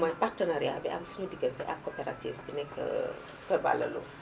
mooy partenariat bi am suñu diggante ak coopérative bi nekk kër Balla Lo